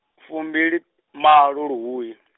fumbilimalo luhuhi .